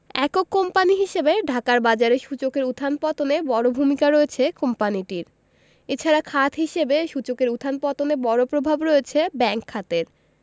একক কোম্পানি হিসেবে ঢাকার বাজারে সূচকের উত্থান পতনে বড় ভূমিকা রয়েছে কোম্পানিটির এ ছাড়া খাত হিসেবে সূচকের উত্থান পতনে বড় প্রভাব রয়েছে ব্যাংক খাতের